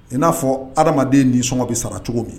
I n'a fɔ hadamaden nisɔngɔ bɛ sara cogo min